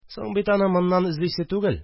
– соң бит аны моннан эзлисе түгел